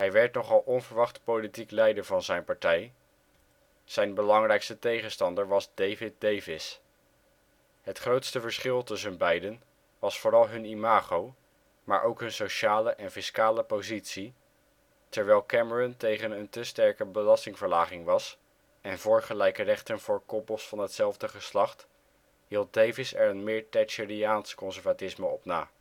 werd nogal onverwacht politiek leider van zijn partij, zijn belangrijkste tegenstander was David Davis. Het grootste verschil tussen beiden was vooral hun imago maar ook hun sociale en fiscale positie; terwijl Cameron tegen een te sterke belastingverlaging was, en voor gelijke rechten voor koppels van hetzelfde geslacht, hield Davis er een meer Thatcheriaans conservatisme op na